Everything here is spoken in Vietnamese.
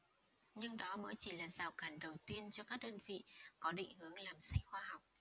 nhưng đó mới chỉ là rào cản đầu tiên cho các đơn vị có định hướng làm sách khoa học